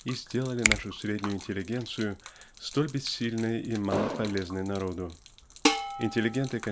и сделали нашу среднюю интеллигенцию столь бессильной и малополезной народу. Интеллигенты